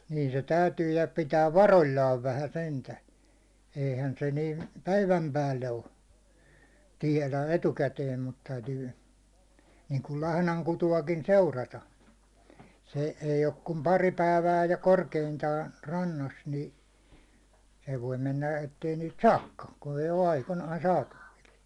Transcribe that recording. niin se täytyy ja pitää varuillaan vähän sentään eihän se niin päivän päälle ole tiedä etukäteen mutta täytyy niin kuin lahnan kutuakin seurata se ei ole kuin pari päivää ja korkeintaan rannassa niin se voi mennä että ei niitä saakaan kun ei ole aikoinaan saatavilla